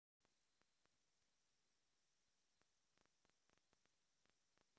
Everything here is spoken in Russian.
пелагея и аквариум